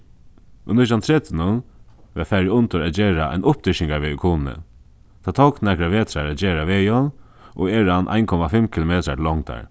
í nítjan tretivunum varð farið undir at gera ein uppdyrkingarveg í kunoy tað tók nakrar vetrar at gera vegin og er hann ein komma fimm kilometrar til longdar